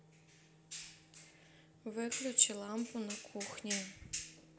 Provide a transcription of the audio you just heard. выключи лампу на кухне